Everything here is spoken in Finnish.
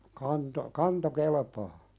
kanto kanto kelpaa